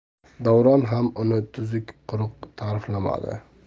davron ham uni tuzuk quruq tariflamadi